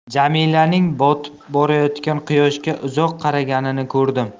jamilaning botib borayotgan quyoshga uzoq qaraganini ko'rdim